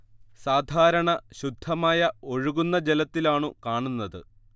സാധാരണ ശുദ്ധമായ ഒഴുകുന്ന ജലത്തിലാണു കാണുന്നത്